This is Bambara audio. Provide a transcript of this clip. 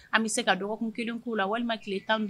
An bɛ se ka dɔgɔkun kelen' la walima tilekan